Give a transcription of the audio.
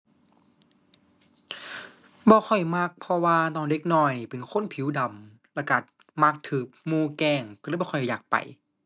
บ่ค่อยมักเพราะว่าตอนเด็กน้อยเป็นคนผิวดำ แล้วก็มักก็หมู่แกล้ง ก็เลยบ่ค่อยอยากไป